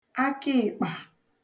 akaị̀kpà